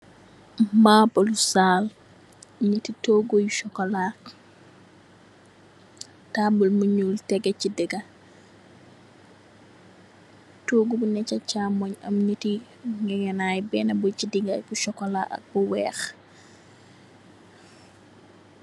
Marble saal, njehti tohgu yu chocolat, taabul bu njull tehgeh chi digah, tohgu bu neh cha chaamongh am njehti njehgahnaii benah bu chi digah bu chocolat ak bu wekh.